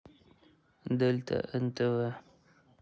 дельта нтв